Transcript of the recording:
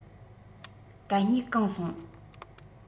གད སྙིགས གང སོང